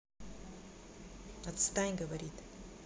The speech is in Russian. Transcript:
отстань говорит